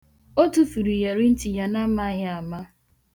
O tufuru iyeri ntị na amaghị ama.